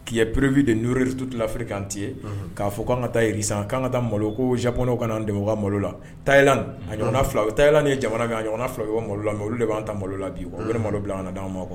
K ki perepfi de niiritufiri kan ti k'a fɔ k'an ka taayi k'an ka taa ko zɔn ka an ka malo la ta a fila u tayla ni ye jamana min a fila u malola min olu de b'an ta malo la bi o ne malo bila' anw ma kuwa